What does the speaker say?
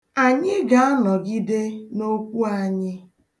Anyị ga-anọgide n'okwu anyị.